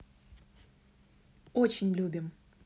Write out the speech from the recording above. очень любим